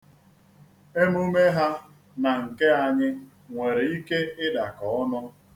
Emume ha na nke anyị nwere ike ịdakọ ọnụ.